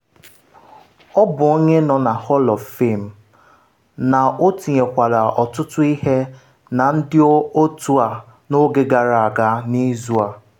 Ọ bụ onye nọ na Hall of Fame, na o tinyekwala ọtụtụ ihe na ndị otu a n’oge gara aga na n’izu a.